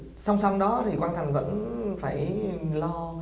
song song đó thì quang thành vẫn ơ phải ừ lo